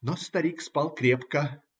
Но старик спал крепко.